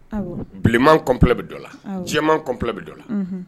Biman kɔnplɛ bɛ don la jɛman kɔnplɛ bɛ don la